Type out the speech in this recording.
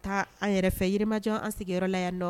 Taa an yɛrɛ fɛ yirimaj an sigiyɔrɔ la yan dɔn